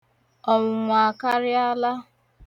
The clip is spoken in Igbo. Ọnwụnwa akarịala.